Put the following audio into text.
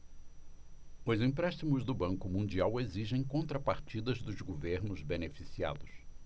os empréstimos do banco mundial exigem contrapartidas dos governos beneficiados